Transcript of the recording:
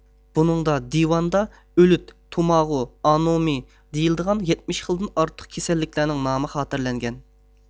بۇنىڭدا دىۋان دا ئۆلۈت توماغۇ ئانومى دېيىلىدىغان يەتمىش خىلدىن ئارتۇق كېسەللىكلەرنىڭ نامى خاتىرىلەنگەن